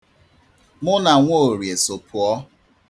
Mụ na Nwoorie so puọ.